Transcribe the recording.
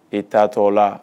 I taatɔ la